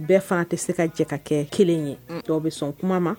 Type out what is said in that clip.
U bɛɛ fan tɛ se ka jɛ kɛ kelen ye dɔ bɛ sɔn kuma ma